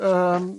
Yym